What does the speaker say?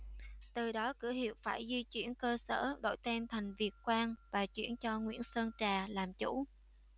từ đó cửa hiệu phải di chuyển cơ sở đổi tên thành việt quang và chuyển cho nguyễn sơn trà làm chủ